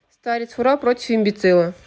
старец фура против имбицила